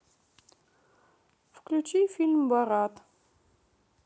включи фильм борат